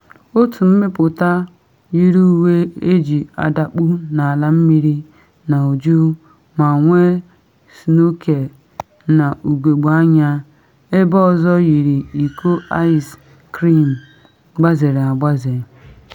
Otu mmepụta yiri uwe eji adakpu n’ala mmiri n’uju ma nwee snọkel na ugogbe anya, ebe ọzọ yiri iko aịs krim gbazere agbaze.